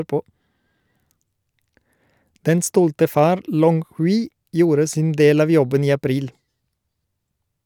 Den stolte far Long Hui gjorde sin del av jobben i april.